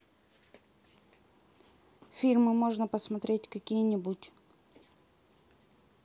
фильмы можно посмотреть какие нибудь